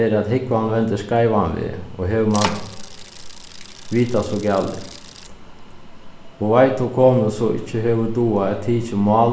er at húgvan vendir skeivan veg og hevur mann vitað so galið og veit um konu so ikki hevur dugað at tikið mál